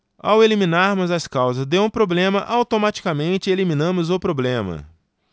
ao eliminarmos as causas de um problema automaticamente eliminamos o problema